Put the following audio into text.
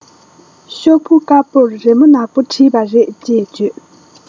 ཤོག བུ དཀར པོར རི མོ ནད པོ བྲིས པ རེད ཅེས བརྗོད